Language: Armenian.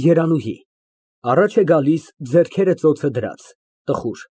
ԵՐԱՆՈՒՀԻ ֊ (Առաջ է գալիս, ձեռքերը ծոցը դրած, տխուր)։